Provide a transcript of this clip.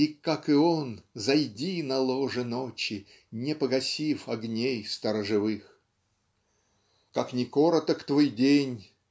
И, как и он, зайди на лоне ночи, Не погасив огней сторожевых. Как ни короток твой день